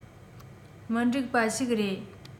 མི འགྲིག པ ཞིག རེད